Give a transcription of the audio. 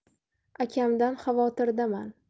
akamdan xavotirdaman